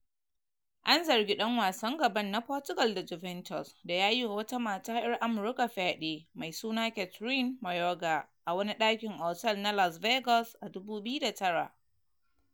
An zargi dan wasan gaban na Portugal da Juventus da yi wa wata mata ‘yar Amurka fyaɗe, mai suna Kathryn Mayorga, a wani dakin otel na Las Vegas a 2009.